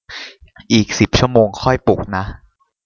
อีกสิบชั่วโมงค่อยปลุกนะ